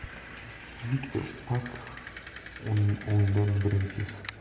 viktor pak o'ngdan birinchi